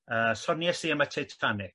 yy soniais i am y Titanic